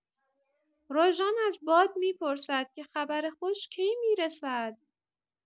روژان از باد می‌پرسد که خبر خوش کی می‌رسد.